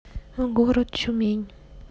город тюмень